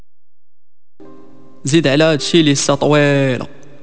زيد علاجك للتطوير